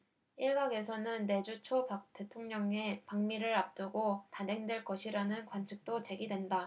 일각에서는 내주 초 박 대통령의 방미를 앞두고 단행될 것이라는 관측도 제기된다